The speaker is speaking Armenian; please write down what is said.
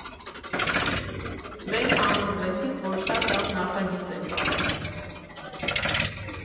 Մենք համոզվեցինք, որ շատ լավ նախագիծ ենք արել։